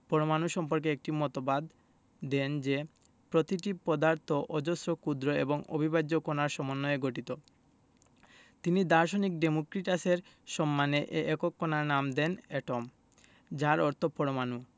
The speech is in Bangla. পরমাণু সম্পর্কে একটি মতবাদ দেন যে প্রতিটি পদার্থ অজস্র ক্ষুদ্র এবং অবিভাজ্য কণার সমন্বয়ে গঠিত তিনি দার্শনিক ডেমোক্রিটাসের সম্মানে এ একক কণার নাম দেন এটম যার অর্থ পরমাণু